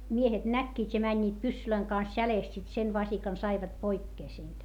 miehet näkivät ja menivät pyssyjen kanssa jäljestä sitten sen vasikan saivat pois siitä